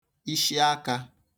ishiakā